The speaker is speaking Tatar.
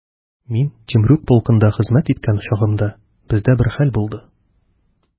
Мин Темрюк полкында хезмәт иткән чагымда, бездә бер хәл булды.